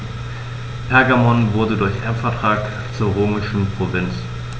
Pergamon wurde durch Erbvertrag zur römischen Provinz.